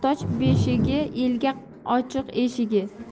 mard muhtoj beshigi elga ochiq eshigi